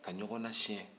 ka ɲɔgɔn lasiɲɛn